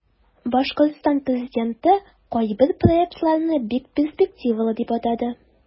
Башкортстан президенты кайбер проектларны бик перспективалы дип атады.